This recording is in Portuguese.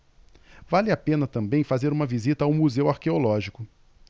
vale a pena também fazer uma visita ao museu arqueológico